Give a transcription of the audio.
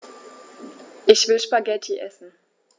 Ich will Spaghetti essen.